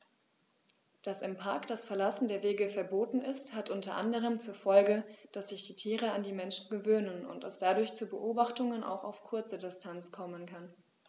Dass im Park das Verlassen der Wege verboten ist, hat unter anderem zur Folge, dass sich die Tiere an die Menschen gewöhnen und es dadurch zu Beobachtungen auch auf kurze Distanz kommen kann.